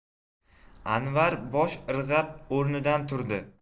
anvar bosh irg'ab o'rnidan turdi